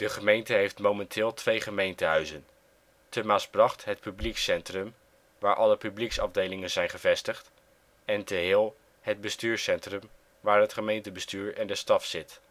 gemeente heeft momenteel twee gemeentehuizen: te Maasbracht het ' Publiekscentrum ', waar alle publieksafdelingen zijn gevestigd en te Heel het ' Bestuurscentrum ', waar het gemeentebestuur en de staf zit